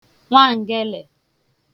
nwaǹgele